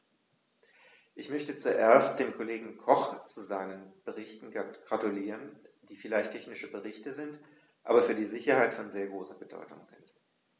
Ich möchte zuerst dem Kollegen Koch zu seinen Berichten gratulieren, die vielleicht technische Berichte sind, aber für die Sicherheit von sehr großer Bedeutung sind.